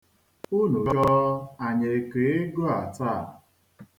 Unu chọọ, anyị ekee ego a taa.